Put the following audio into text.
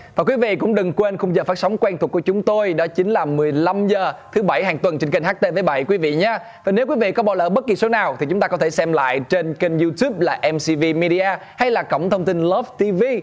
và quý vị cũng đừng quên khung giờ phát sóng quen thuộc của chúng tôi đó chính là mười lăm giờ thứ bảy hàng tuần trên kênh hát tê vê bảy quý vị nhá và nếu quý vị có bỏ lỡ bất kỳ số nào thì chúng ta có thể xem lại trên kênh diu trúp là em xi vi mi đi a hay là cổng thông tin lớp ti vi